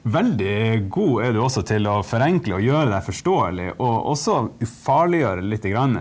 veldig god er du også til å forenkle og gjøre deg forståelig og også ufarliggjøre lite grann.